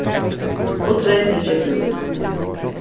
og dreymurin gekk út